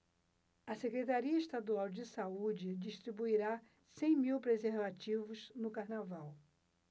a secretaria estadual de saúde distribuirá cem mil preservativos no carnaval